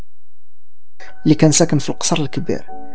لكن ساكن في القصر الكبير